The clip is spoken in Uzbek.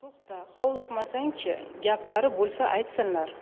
to'xta hovliqmasang chi gaplari bo'lsa aytsinlar